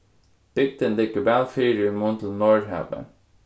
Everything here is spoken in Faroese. bygdin liggur væl fyri í mun til norðhavið